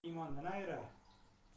gumon imondan ayirar